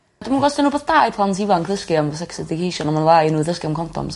Dwi'm yn g'o' os 'di'n rwbeth da i plant ifanc ddysgu am sex education on' ma'n dda i n'w ddysgu am condoms.